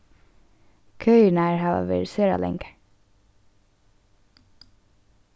køirnar hava verið sera langar